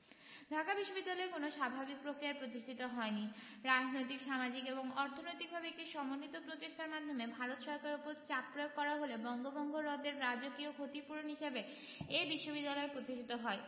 ঢাকা বিশ্ববিদ্যালয় কোনো স্বাভাবিক প্রক্রিয়ায় প্রতিষ্ঠিত হয়নি রাজনৈতিক সামাজিক এবং অর্থনৈতিকভাবে একটি সমন্বিত প্রচেষ্টার মাধ্যমে ভারত সরকারের ওপর চাপ প্রয়োগ করা হলে বঙ্গভঙ্গ রদের রাজকীয় ক্ষতিপূরণ হিসেবে এ বিশ্ববিদ্যালয় প্রতিষ্ঠিত হয়